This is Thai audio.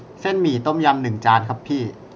เส้นหมี่ต้มยำหนึ่งจานครับพี่